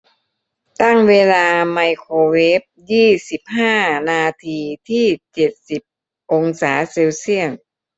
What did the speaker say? ตั้งเวลาไมโครเวฟยี่สิบห้านาทีที่เจ็ดสิบองศาเซลเซียส